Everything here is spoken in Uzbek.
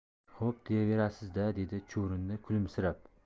xo'p deyaverasiz da dedi chuvrindi kulimsirab